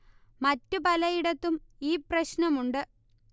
മറ്റ് പലയിടത്തും ഈ പ്രശ്നമുണ്ട്